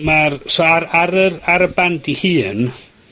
Ma'r... So ar, ar yr, ar y band 'i hun,